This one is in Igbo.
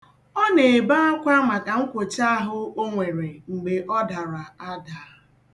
Ọ na-ebe akwa maka nkwochaahụ o nwere mgbe ọ dara ada.